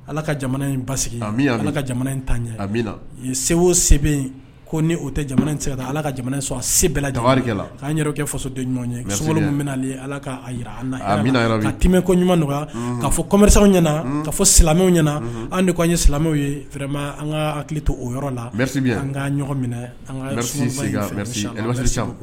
Ala ka jamana in ba ala ka jamana in ta ɲɛ segu o ko ni o tɛ jamana sen ka ala ka jamana sɔrɔ a se bɛla k' yɛrɛ kɛ faso ye ala kaa jira an ka tɛmɛ ko ɲuman nɔgɔya ka fɔ kɔmsa ɲɛna ka fɔ silamɛ ɲɛna an de an ye silamɛw yema an ka hakili to o yɔrɔ la an ka minɛ